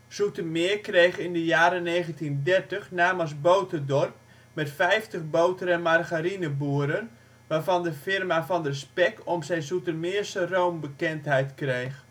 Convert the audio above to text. Zoetermeer kreeg in de jaren 1930 naam als boterdorp met 50 boter - en margarineboeren waarvan de firma Van der Spek om zijn " Zoetermeerse Roem " bekendheid kreeg